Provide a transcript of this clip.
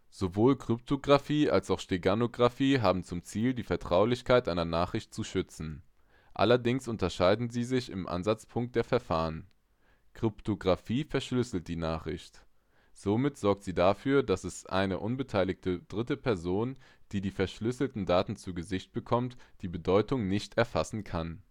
Sowohl Kryptographie als auch Steganographie haben zum Ziel, die Vertraulichkeit einer Nachricht zu schützen. Allerdings unterscheiden sie sich im Ansatzpunkt der Verfahren: Kryptographie verschlüsselt die Nachricht. Somit sorgt sie dafür, dass eine unbeteiligte dritte Person, die die (verschlüsselten) Daten zu Gesicht bekommt, die Bedeutung nicht erfassen kann